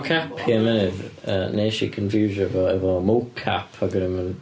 Okapi am funud yy neshi conffiwsio fo efo Mocap, ac o'n i'm yn...